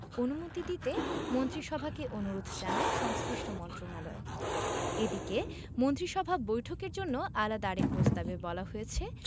অনুমতি দিতে মন্ত্রিসভাকে অনুরোধ জানায় সংশ্লিষ্ট মন্ত্রণালয় এদিকে মন্ত্রিসভা বৈঠকের জন্য আলাদা আরেক প্রস্তাবে বলা হয়েছে